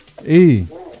i